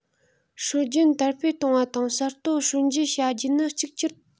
སྲོལ རྒྱུན དར སྤེལ གཏོང བ དང གསར གཏོད སྲོལ འབྱེད བྱ རྒྱུ ནི གཅིག གྱུར